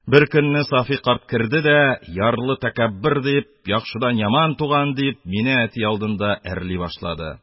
Беркөнне Сафый карт керде дә, ярлы тәкәббер, дип, яхшыдан яман туган, дип, мине әти алдында әрли башлады.